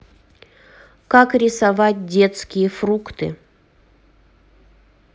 как рисовать детские фрукты